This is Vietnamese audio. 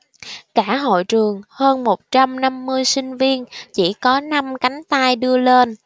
cả hội trường hơn một trăm năm mươi sinh viên chỉ có năm cánh tay đưa lên